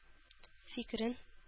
Фикерен